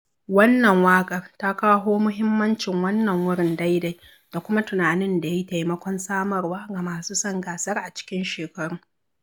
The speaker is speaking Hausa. Wannan waƙar ta kawo muhimmancin wannan wurin daidai, da kuma tunanin da ta yi taimakon samarwa ga masu son gasar a cikin shekaru.